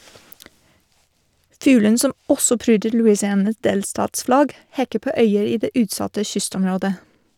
Fuglen, som også pryder Louisianas delstatsflagg, hekker på øyer i det utsatte kystområdet.